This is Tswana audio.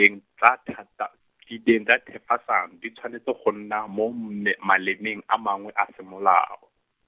tsa thata, ke teng tsa thefasano di tshwanetse go nna mo me malemeng a mangwe a semolao.